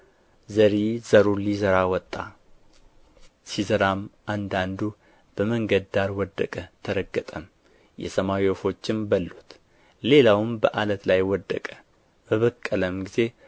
ዘሪ ዘሩን ሊዘራ ወጣ ሲዘራም አንዳንዱ በመንገድ ዳር ወደቀ ተረገጠም የሰማይ ወፎችም በሉት ሌላውም በዓለት ላይ ወደቀ በበቀለም ጊዜ